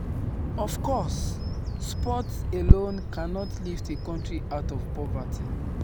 Of course, sports alone cannot lift a country out of poverty.